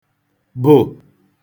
bụ̀